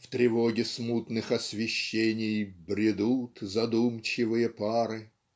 В тревоге смутных освещений Бредут задумчивые пары.